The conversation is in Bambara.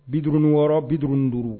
56 55